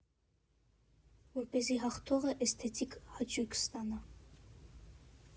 Որպեսզի հաղթողը էսթետիկ հաճույք ստանա։